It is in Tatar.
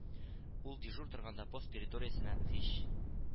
Ул дежур торганда пост территориясенә һич